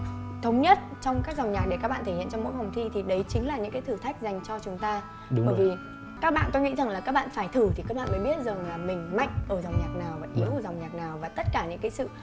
thống nhất trong các dòng nhạc để các bạn thể hiện trong mỗi phòng thi thì đấy chính là những cái thử thách dành cho chúng ta bởi vì các bạn tôi nghĩ rằng là các bạn phải thử thì các bạn mới biết rằng mình mạnh ở dòng nhạc nào và yếu ở dòng nhạc nào và tất cả những cái sự